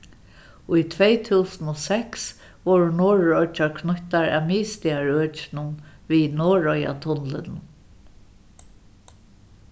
í tvey túsund og seks vóru norðuroyggjar knýttar at miðstaðarøkinum við norðoyatunlinum